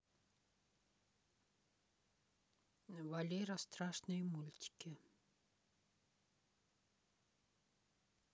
валера страшные мультики